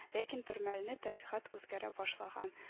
Ләкин бермәлне табигать үзгәрә башлаган